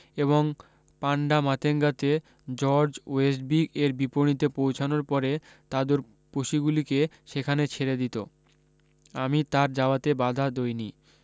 এবং পান্ডামাতেঙ্গাতে George Westbeech এর বিপনীতে পৌঁছনোর পরে তাদের পশুগুলিকে সেখানে ছেড়ে দিত আমি তার যাওয়াতে বাধা দইনি